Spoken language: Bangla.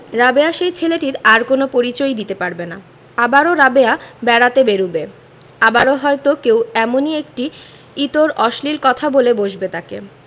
রাবেয়া সেই ছেলেটির আর কোন পরিচয়ই দিতে পারবে না আবারও রাবেয়া বেড়াতে বেরুবে আবারো হয়তো কেউ এমনি একটি ইতর অশ্লীল কথা বলে বসবে তাকে